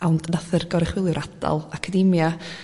ond nath yr gorychwiliw'r adal academia